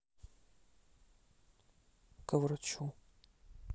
ко врачу